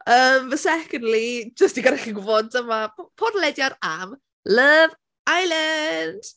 Yym, secondly jyst i gadael chi gwybod dyma podlediad am Love Island!